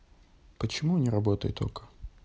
почему не работает окко